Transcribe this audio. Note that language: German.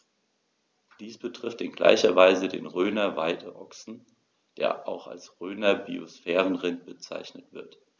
Dies betrifft in gleicher Weise den Rhöner Weideochsen, der auch als Rhöner Biosphärenrind bezeichnet wird.